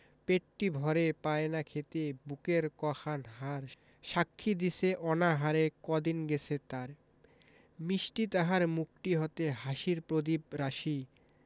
পেটটি ভরে পায় না খেতে বুকের ক খান হাড় সাক্ষী দিছে অনাহারে কদিন গেছে তার মিষ্টি তাহার মুখটি হতে হাসির প্রদীপ রাশি